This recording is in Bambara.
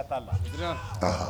La